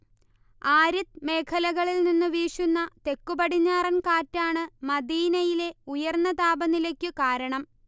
arid മേഖലകളിൽ നിന്നു വീശുന്ന തെക്കുപടിഞ്ഞാറൻ കാറ്റാണ് മദീനയിലെ ഉയർന്ന താപനിലയ്ക്കു കാരണം